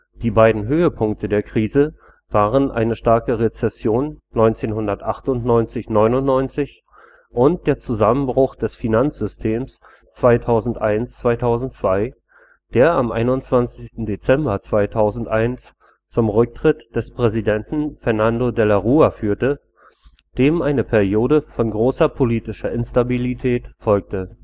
Die beiden Höhepunkte der Krise waren eine starke Rezession 1998 / 99 und der Zusammenbruch des Finanzsystems 2001/02, der am 21. Dezember 2001 zum Rücktritt des Präsidenten Fernando de la Rúa führte, dem eine Periode von großer politischer Instabilität folgte